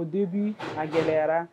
O denbi a gɛlɛyara